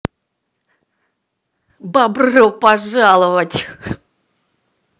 бобро поржаловать